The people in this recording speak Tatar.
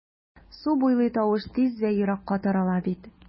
Су буйлый тавыш тиз вә еракка тарала бит...